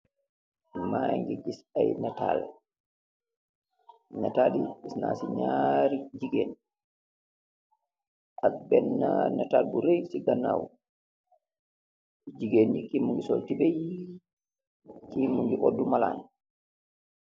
Magi giss aye natal, natal yee giss nase nyari jigeen ak bena natal bu raay se ganaw jigeen bi muge sul tobay kee muge odu malan.